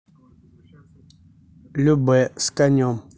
любэ с конем